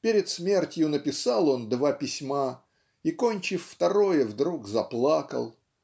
Перед смертью написал он два письма и, кончив второе, вдруг заплакал.